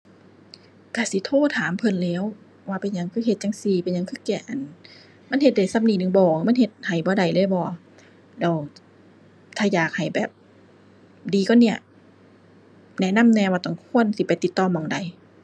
ไทยประกันชีวิต เพราะว่าเห็นดู๋ใน TV เห็นหลายเทื่อคัก